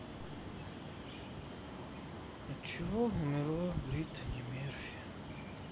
от чего умерла бриттани мерфи